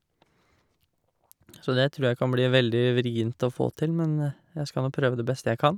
Så det tror jeg kan bli veldig vrient å få til, men jeg skal nå prøve det beste jeg kan.